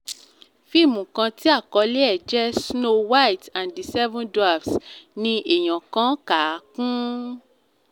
Fíìmù kan tí àkọlé ẹ jẹ́ “Snow White and the Seven Dwarfs” ni èèyàn kan kà á kún.”